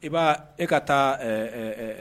I b' e ka taa